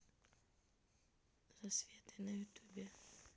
за светой на ютубе